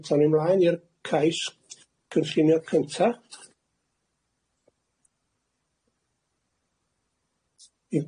Reit, a'n ni mlaen i'r cais cynllunio cynta.